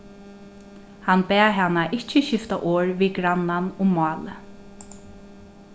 hann bað hana ikki skifta orð við grannan um málið